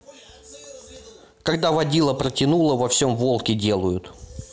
когда водила протянула во всем волки делают